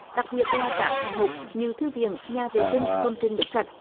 đặc biệt là các hạng mục như thư viện nhà vệ sinh công trình nước sạch